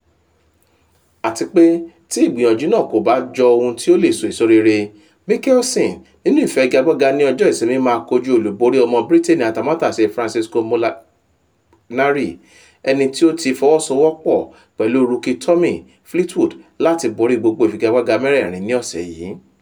Àti pé tí ìgbìyànjú náà kò bá jọ ohun tí ó le so èso rere, Mickelson, nínú ìfigagbága ní ọjọ́ Ìsinmi, máa kojú olùbórí ọmọ Bírítènì atamátàṣe Francesco Molinari, ẹnití ó ti fọwọ́sowọ́pọ̀ pẹ̀lú rookie Tommy Fleetwood láti borí gbogbo ìfigagbága mẹ́rẹ̀ẹ̀rin ní ọ̀ṣẹ̀ yìí.